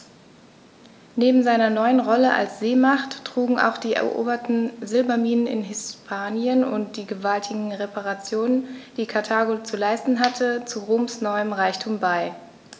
Neben seiner neuen Rolle als Seemacht trugen auch die eroberten Silberminen in Hispanien und die gewaltigen Reparationen, die Karthago zu leisten hatte, zu Roms neuem Reichtum bei.